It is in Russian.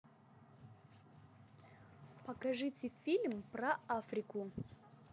покажите фильм про африку